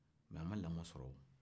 nka a ma lamɔ sɔrɔ